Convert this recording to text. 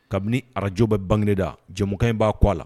Kabini arajo bɛ bangda jɛ in b'a kɔ a la